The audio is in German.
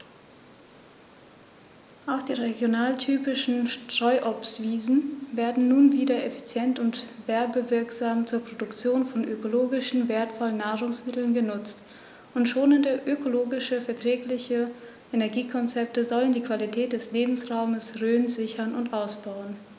Auch die regionaltypischen Streuobstwiesen werden nun wieder effizient und werbewirksam zur Produktion von ökologisch wertvollen Nahrungsmitteln genutzt, und schonende, ökologisch verträgliche Energiekonzepte sollen die Qualität des Lebensraumes Rhön sichern und ausbauen.